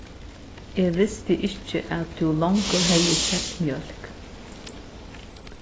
eg visti ikki at tú longu hevði keypt mjólk